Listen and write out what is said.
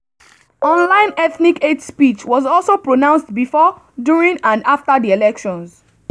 Online ethnic hate speech was also pronounced before, during and after the elections.